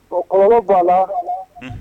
O kɔrɔ'